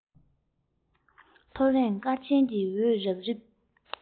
ཐོ རངས སྐར ཆེན གྱི འོད རབ རིབ